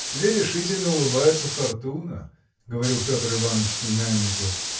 – Тебе решительно улыбается фортуна – говорил Петр Иваныч племяннику.